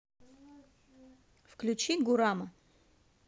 включи гурама